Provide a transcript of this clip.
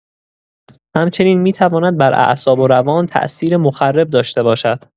همچنین می‌تواند بر اعصاب و روان تاثیر مخرب داشته باشد.